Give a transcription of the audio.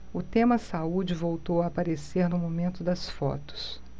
o tema saúde voltou a aparecer no momento das fotos